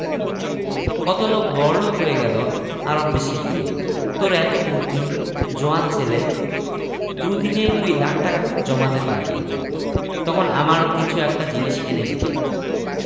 কত লোক বড়লোক হয়ে গেল আরব দেশে গিয়ে তোর এত বুদ্ধি জোয়ান ছেলে দুদিনেই তুই লাখ টাকা জমাতে পারবি তখন আমার কিছু একটা জিনিস এনে দিবি